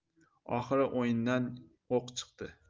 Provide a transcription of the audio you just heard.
oxiri o'yindan o'q chiqdi